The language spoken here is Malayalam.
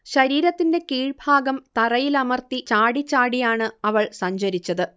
ശരീരത്തിന്റെ കീഴ്ഭാഗം തറയിലമർത്തി ചാടിച്ചാടിയാണ് അവൾ സഞ്ചരിച്ചത്